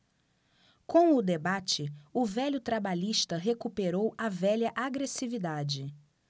com o debate o velho trabalhista recuperou a velha agressividade